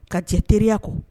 Ka cɛ teriya kɔ